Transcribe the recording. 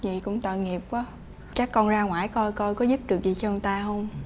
chị cũng tội nghiệp quá chắc con ra ngoải coi coi có giúp được gì cho người ta không